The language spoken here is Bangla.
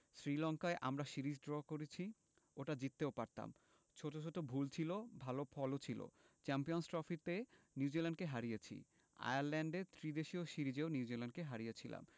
শ্রীলঙ্কায় আমরা সিরিজ ড্র করেছি ওটা জিততেও পারতাম ছোট ছোট ভুল ছিল ভালো ফলও ছিল চ্যাম্পিয়নস ট্রফিতে নিউজিল্যান্ডকে হারিয়েছি আয়ারল্যান্ডে ত্রিদেশীয় সিরিজেও নিউজিল্যান্ডকে হারিয়েছিলাম